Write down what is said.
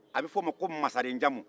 a bɛ fɔ o ma ko masaren jamu